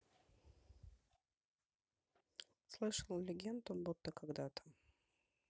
слышал легенду будто когда то